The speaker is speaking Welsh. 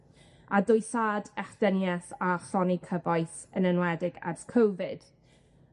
a dwysad echdynieth a chronni cyfoeth, yn enwedig ers Covid.